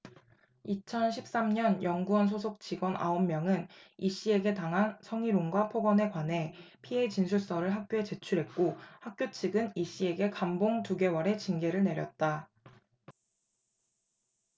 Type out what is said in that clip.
이천 십 삼 년 연구원 소속 직원 아홉 명은 이씨에게 당한 성희롱과 폭언에 관한 피해 진술서를 학교에 제출했고 학교 측은 이씨에게 감봉 두 개월의 징계를 내렸다